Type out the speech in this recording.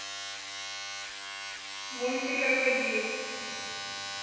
мультик крокодил